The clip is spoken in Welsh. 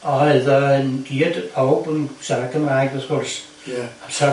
Oedd o'n i gyd... powb yn siarad Cymraeg wrh gwrs... Ia... Amsar hynny.